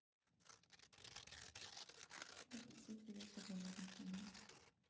я прошу тебя поговорить со мной